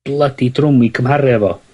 blydi drwm i cymharu a fo.